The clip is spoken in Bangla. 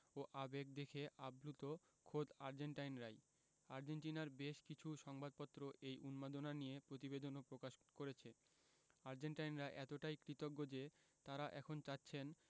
ও আবেগ দেখে আপ্লুত খোদ আর্জেন্টাইনরাই আর্জেন্টিনার বেশ কিছু সংবাদপত্র এই উন্মাদনা নিয়ে প্রতিবেদনও প্রকাশ করেছে আর্জেন্টাইনরা এতটাই কৃতজ্ঞ যে তাঁরা এখন চাচ্ছেন